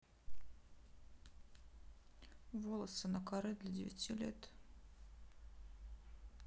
волосы на каре для девяти лет